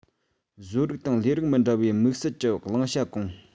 བཟོ རིགས དང ལས རིགས མི འདྲ བའི དམིགས བསལ གྱི བླང བྱ སྐོང